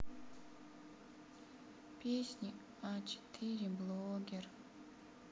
песни а четыре блогер